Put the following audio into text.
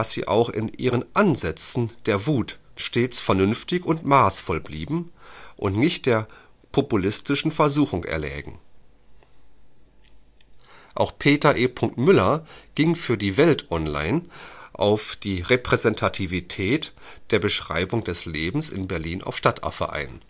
sie auch in ihren Ansätzen der Wut stets „ vernünftig “und „ maßvoll “blieben und nicht der „ populistische [n] Versuchung “erlägen. Auch Peter E. Müller ging für die Welt Online auf die Repräsentativität der Beschreibung des Lebens in Berlin auf Stadtaffe ein